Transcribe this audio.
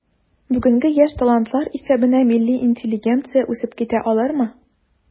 Бүгенге яшь талантлар исәбенә милли интеллигенция үсеп китә алырмы?